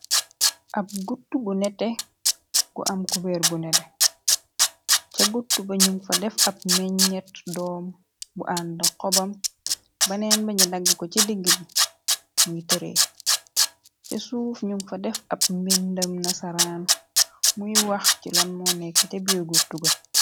Ab gutt gu nete gu am kubeer gu nete ca gutt ba ñum fa def ab mbeñet doom bu ànda xobam baneen baña dagg ko ci digg muy tëree ca suuf ñum fa def ab mbindëm nasaraan muy wax ci loon mo nekk te biir gutuga.